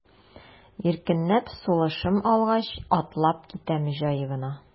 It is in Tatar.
Иркенләп сулышым алгач, атлап китәм җай гына.